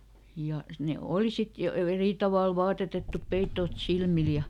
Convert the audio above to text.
ja ne oli sitten jo - eri tavalla vaatetettu peitot silmillä ja